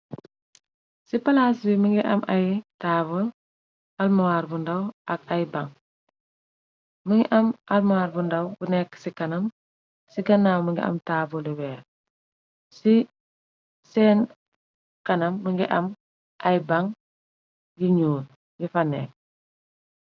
Ci palaas bi mu ngi am ay taabul almor bu ndaw ak ay bang më ngi am almowaar bu ndaw bu nekk ci kanam ci gannaaw mu ngi am taabali weer ci seen kanam më ngi am ay bang yi ñuul yu fanekk.